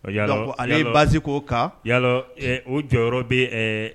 Yala ko ale basi ko kan ya o jɔyɔrɔ bɛ